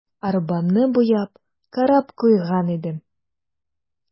Арбаны буяп, карап куйган идем.